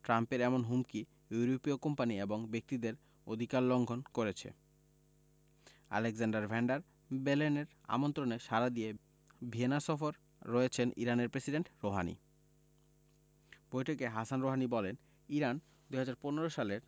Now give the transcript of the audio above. ট্রাম্পের এমন হুমকি ইউরোপীয় কোম্পানি এবং ব্যক্তিদের অধিকার লঙ্ঘন করেছে আলেক্সান্ডার ভ্যান ডার বেলেনের আমন্ত্রণে সাড়া দিয়ে ভিয়েনা সফর রয়েছেন ইরানের প্রেসিডেন্ট রুহানি বৈঠকে হাসান রুহানি বলেন ইরান ২০১৫ সালের